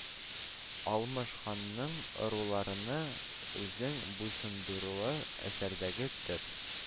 Алмыш ханның ыруларны үзенә буйсындыруы әсәрдәге төп